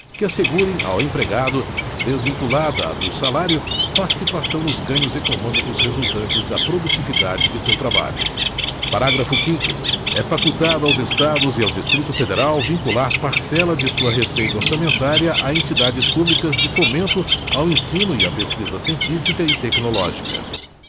que assegurem ao empregado desvinculada do salário participação nos ganhos econômicos resultantes da produtividade de seu trabalho parágrafo quinto é facultado aos estados e ao distrito federal vincular parcela de sua receita orçamentária a entidades públicas de fomento ao ensino e à pesquisa científica e tecnológica